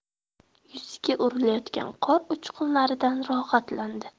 yuziga urilayotgan qor uchqunlaridan rohatlandi